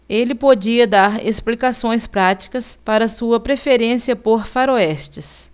ele podia dar explicações práticas para sua preferência por faroestes